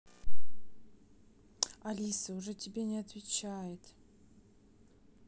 алиса уже тебя не отвечает